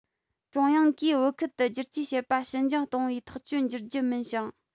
ཀྲུང དབྱང གིས བོད ཁུལ དུ བསྒྱུར བཅོས བྱེད པ ཕྱི འགྱང གཏོང བའི ཐག གཅོད འགྱུར རྒྱུ མིན ཞིང